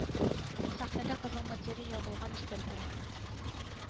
Сәхнәдә кызыл материя ябылган өстәл тора